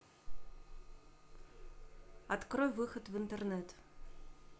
открой выход в интернет